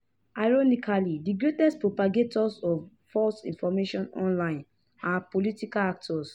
Ironically, the greatest propagators of false information online are political actors.